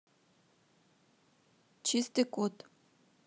чистый код